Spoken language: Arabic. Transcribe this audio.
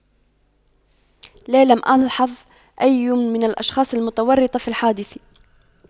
لا لم الحظ أي من الأشخاص المتورطة في الحادث